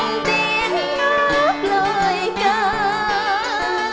tiếng hát lời ca